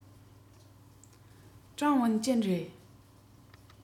ཀྲང ཝུན ཅུན རེད